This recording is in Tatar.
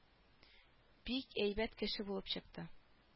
Бик әйбәт кеше булып чыкты